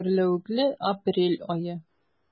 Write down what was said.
Гөрләвекле апрель ае.